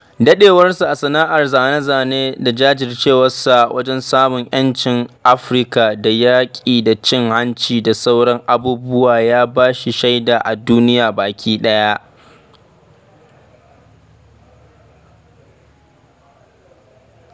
Daɗewarsa a sana'ar zane-zane da jajircewarsa wajen samun 'yancin Afirka da yaƙi da cin-hanci da sauran abubuwa ya ba shi shaida a duniya baki ɗaya.